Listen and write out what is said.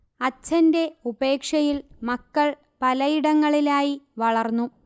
അച്ഛന്റെ ഉപേക്ഷയിൽ മക്കൾ പലയിടങ്ങളിലായി വളർന്നു